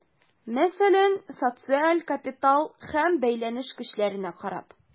Мәсәлән, социаль капитал һәм бәйләнеш көчләренә карап.